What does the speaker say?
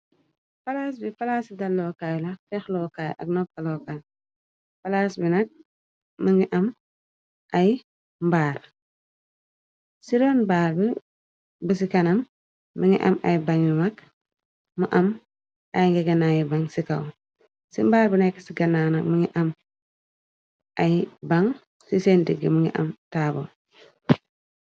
palaas bi palaasi dal lookaay la fexlookaay ak noppalookaay palaas bi nag më ngi am ay mbaar ci roon baarb ba ci kanam mi ngi am ay bañu mag mu am ay ngegenayu ban ci kaw ci mbaar bu nekk ci gannana mi ngi am ay baŋ ci seen digg mi ngi am taabo